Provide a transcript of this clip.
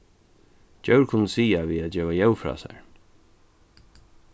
djór kunnu siga við at geva ljóð frá sær